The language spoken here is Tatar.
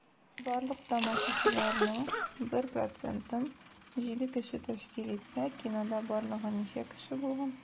Барлык тамашачыларның 1 процентын 7 кеше тәшкил итсә, кинода барлыгы ничә кеше булган?